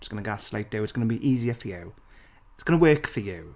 Just going to gaslight you it's going to be easier for you it's going to work for you.